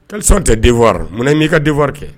Kalisɔn tɛ denwa munna n'i ka denwa kɛ